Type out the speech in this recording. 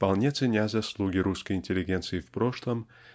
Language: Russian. вполне ценя заслуги русской интеллигенции в прошлом